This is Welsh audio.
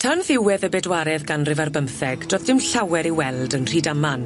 Tan ddiwedd y bedwaredd ganrif ar bymtheg do'dd dim llawer i'w weld yn Rhydaman.